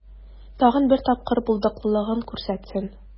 Тагын бер тапкыр булдыклылыгын күрсәтсен.